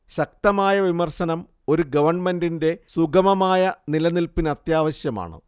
ശക്തമായ വിമർശനം ഒരു ഗവൺമെന്റിന്റെ സുഗമമായ നിലനില്പിനത്യാവശ്യമാണ്